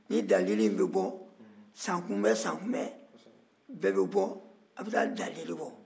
ni dalilu in bɛ bɔ sankunbɛn o sankunbɛn bɛɛ bɛ bɔ a' bɛ taa dalilu bɔ